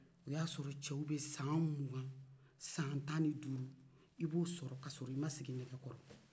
o y'a sɔrɔ cɛw bɛ san mugan san tan ni duuru i b'o sɔrɔ k'a sɔrɔ i ma sigi nɛgɛ kɔrɔ